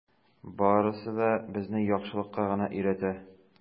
Барысы да безне яхшылыкка гына өйрәтә.